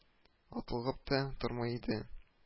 Атлыгып та тормый иде